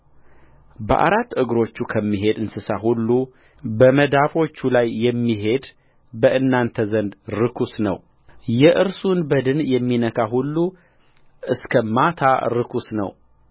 በአራት እግሮቹ ከሚሄድ እንስሳ ሁሉ በመዳፎቹ ላይ የሚሄድ በእናንተ ዘንድ ርኩስ ነው የእርሱን በድን የሚነካ ሁሉ እስከ ማታ ርኩስ ነው